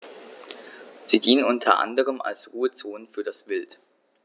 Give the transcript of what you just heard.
Sie dienen unter anderem als Ruhezonen für das Wild.